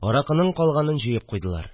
Аракының калганын җыеп куйдылар